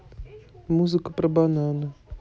музыка про банана